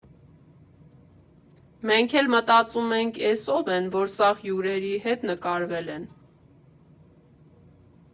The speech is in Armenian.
Մենք էլ մտածում ենք՝ էս ո՞վ են, որ սաղ հյուրերի հետ նկարվել են։